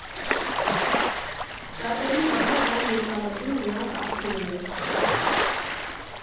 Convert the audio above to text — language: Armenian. Շատերի համար դա եկամտի միակ աղբյուրն է։